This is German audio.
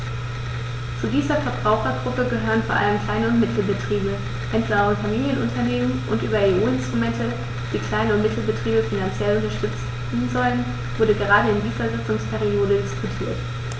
Zu dieser Verbrauchergruppe gehören vor allem Klein- und Mittelbetriebe, Händler und Familienunternehmen, und über EU-Instrumente, die Klein- und Mittelbetriebe finanziell unterstützen sollen, wurde gerade in dieser Sitzungsperiode diskutiert.